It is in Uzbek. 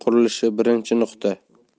qurilishi birinchi nuqta